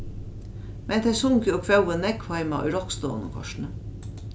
men tey sungu og kvóðu nógv heima í roykstovunum kortini